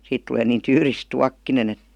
siitä tulee niin tyyris tuokkonen että